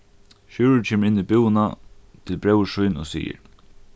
sjúrður kemur inn í búðina til bróður sín og sigur